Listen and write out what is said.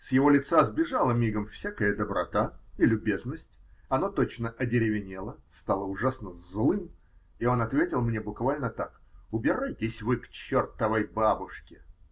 С его лица сбежала мигом всякая доброта и любезность, оно точно одеревенело, стало ужасно злым, и он ответил мне буквально так: -- Убирайтесь вы к чертовой бабушке.